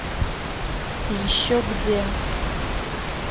еще где